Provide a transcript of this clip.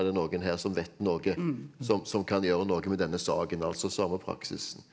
er det noen her som vet noe som som kan gjøre noe med denne saken altså samme praksisen?